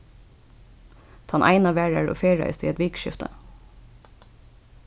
tann eina var har og ferðaðist í eitt vikuskifti